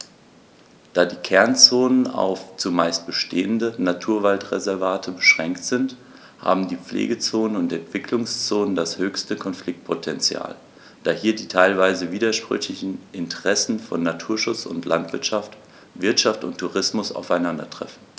Da die Kernzonen auf – zumeist bestehende – Naturwaldreservate beschränkt sind, haben die Pflegezonen und Entwicklungszonen das höchste Konfliktpotential, da hier die teilweise widersprüchlichen Interessen von Naturschutz und Landwirtschaft, Wirtschaft und Tourismus aufeinandertreffen.